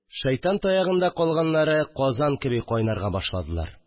Шайтан таягында калганнары казан кеби кайнарга башладылар